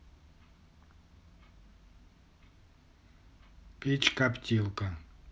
печь коптилка